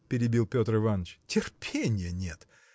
– перебил Петр Иваныч, – терпенья нет!